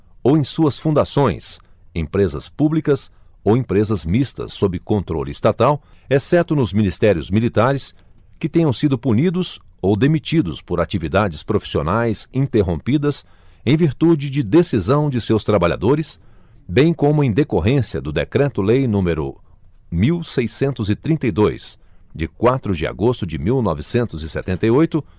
ou em suas fundações empresas públicas ou empresas mistas sob controle estatal exceto nos ministérios militares que tenham sido punidos ou demitidos por atividades profissionais interrompidas em virtude de decisão de seus trabalhadores bem como em decorrência do decreto lei número mil seiscentos e trinta e dois de quatro de agosto de mil novecentos e setenta e oito